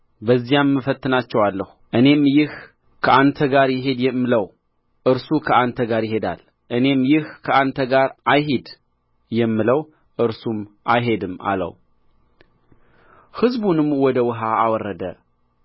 ሕዝቡንም ወደ ውኃ አወረደ እግዚአብሔርም ጌዴዎንን ውሻ እንደሚጠጣ ውኃ በምላሱ የሚጠጣውን ሁሉ እርሱን ለብቻው አድርገው እንዲሁም ሊጠጣ በጕልበቱ የሚንበረከከውን ሁሉ ለብቻው አድርገው አለው